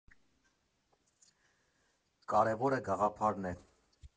Կարևորը գաղափարն է։